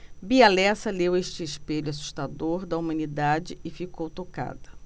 bia lessa leu esse espelho assustador da humanidade e ficou tocada